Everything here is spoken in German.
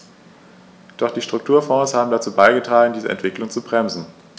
Doch die Strukturfonds haben dazu beigetragen, diese Entwicklung zu bremsen.